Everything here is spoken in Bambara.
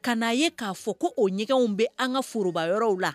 Ka n'a ye k'a fɔ ko o ɲɛgɛnw bɛ an ka foroba yɔrɔw la.